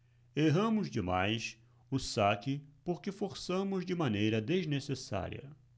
erramos demais o saque porque forçamos de maneira desnecessária